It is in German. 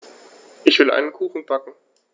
Ich will einen Kuchen backen.